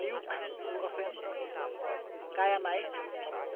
leucoxene kyanite